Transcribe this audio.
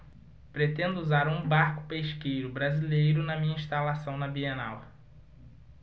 pretendo usar um barco pesqueiro brasileiro na minha instalação na bienal